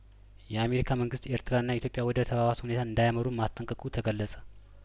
የአሜሪካ መንግስት ኤርትራና ኢትዮጵያ ወደ ተባባሰ ሁኔታ እንዳያመሩ ማስጠንቀቁ ተገለጸ